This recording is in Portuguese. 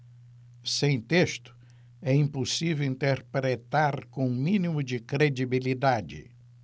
sem texto é impossível interpretar com o mínimo de credibilidade